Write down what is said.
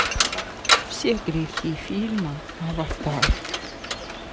все грехи фильма аватар